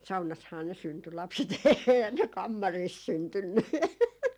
saunassahan ne syntyi lapset eihän ne kammarissa syntynyt